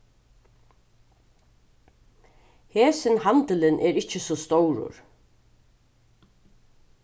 hesin handilin er ikki so stórur